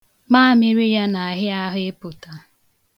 Maamịrị ya na-ahịa ahụ ịpụta.